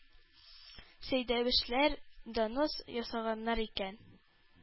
Сәйдәшевләр донос ясаганнар икән,